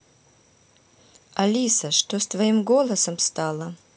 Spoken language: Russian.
алиса что с твоим голосом стало